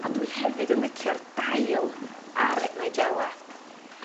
a dwi hefyd yn licio'r dail ar nigela.